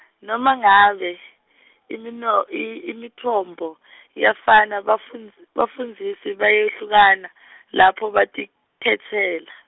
noma ngabe, imino-, i- imitfombo , iyafana bafundz- bafundzisi bayehlukana , lapho batikhetsela.